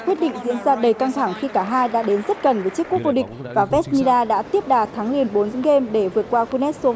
quyết định diễn ra đầy căng thẳng khi cả hai đã đến rất gần với chiếc cúp vô địch và vét ni na đã tiếp đà thắng liền bốn ư ghêm để vượt qua cu nét sô va